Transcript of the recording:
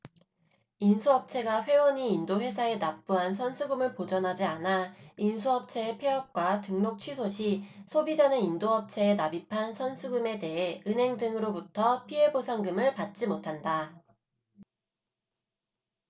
인수업체가 회원이 인도회사에 납부한 선수금을 보전하지 않아 인수업체의 폐업과 등록취소 시 소비자는 인도업체에 납입한 선수금에 대해 은행 등으로부터 피해보상금을 받지 못한다